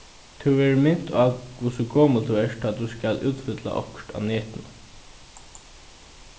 tú verður mint á hvussu gomul tú ert tá tú skal útfylla okkurt á netinum